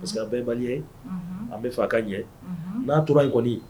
Parce bɛɛban ye an bɛ fɔ a ka ɲɛ n'a tora in kɔni